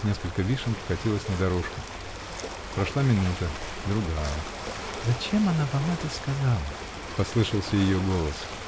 несколько вишен покатилось на дорожку. Прошла минута. другая. -- Зачем она вам это сказала? -- послышался ее голос.